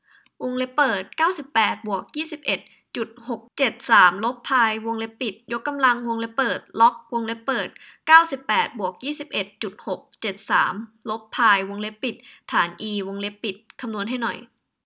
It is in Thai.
วงเล็บเปิดเก้าสิบแปดบวกยี่สิบเอ็ดจุดหกเจ็ดสามลบพายวงเล็บปิดยกกำลังวงเล็บเปิดล็อกวงเล็บเปิดเก้าสิบแปดบวกยี่สิบเอ็ดจุดหกเจ็ดสามลบพายวงเล็บปิดฐานอีวงเล็บปิดคำนวณให้หน่อย